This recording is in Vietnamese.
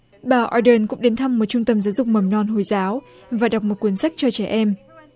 bà o đân cũng đến thăm một trung tâm giáo dục mầm non hồi giáo và đọc một quyển sách cho trẻ em